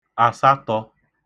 àsatọ̄